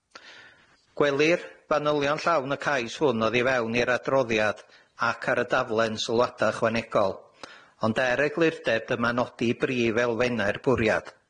Gwelir fanylion llawn y cais hwn oddi fewn i'r adroddiad, ac ar y daflen sylwada' ychwanegol, ond er eglurder dyma nodi brif elfennau'r bwriad.